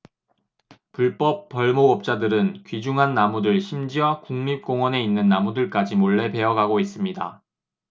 불법 벌목업자들은 귀중한 나무들 심지어 국립공원에 있는 나무들까지 몰래 베어 가고 있습니다